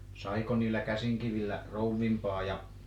saiko niillä käsinkivillä krouvimpaa ja